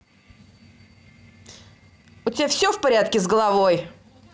у тебя все в порядке с головой